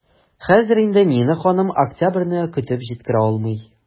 Хәзер инде Нина ханым октябрьне көтеп җиткерә алмый.